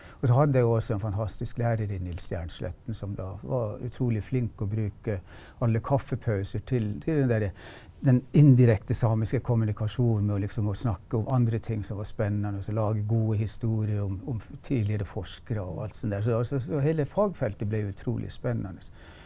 også hadde jeg jo også en fantastisk lærer i Nils Jernsletten som da var utrolig flink å bruke alle kaffepauser til til den derre den indirekte samiske kommunikasjonen og liksom å snakke om andre ting som var spennende og lage gode historier om om tidligere forskere og alt sånn der så altså så hele fagfeltet ble utrolig spennende.